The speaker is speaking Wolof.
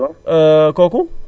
mbaa tawatoo